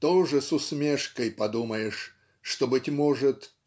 тоже с усмешкой подумаешь что быть может